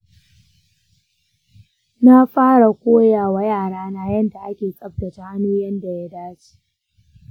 na fara koyawa yarana yadda ake tsaftace hannu yadda ya dace.